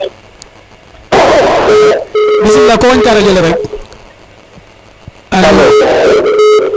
bismila ko wañka radio le rekalo